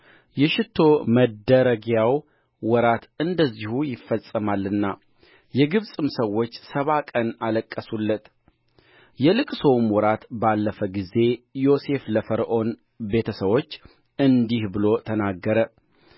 የሽቱ መደረጊያው ወራት እንደዚሁ ይፈጸማልና የግብፅም ሰዎች ሰባ ቀን አለቀሱለት የልቅሶውም ወራት ባለፈ ጊዜ ዮሴፍ ለፈርዖን ቤተ ሰቦች እንዲህ ብሎ ተናገረ